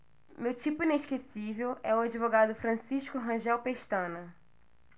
meu tipo inesquecível é o advogado francisco rangel pestana